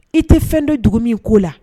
I tɛ fɛn don dugu min ko la